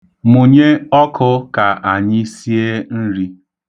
Mụnye ọkụ ka anyị sie nri.